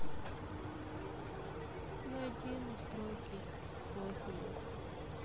найди настройки профиля